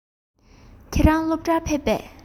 ཁྱེད རང སློབ གྲྭར ཕེབས པས